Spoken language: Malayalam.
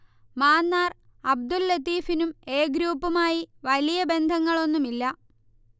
മാന്നാർ അബ്ദുൽ ലത്തീഫിനും എ ഗ്രൂപ്പുമായി വലിയ ബന്ധങ്ങളൊന്നുമില്ല